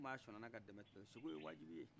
ni mɔgɔ sinɔgɔ la ka tɛmɛ bɛ suko o ye wajibi ye